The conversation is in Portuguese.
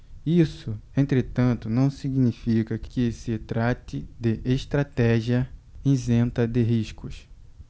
isso entretanto não significa que se trate de estratégia isenta de riscos